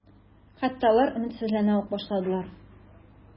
Хәтта алар өметсезләнә үк башладылар.